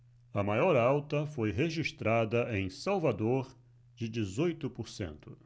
a maior alta foi registrada em salvador de dezoito por cento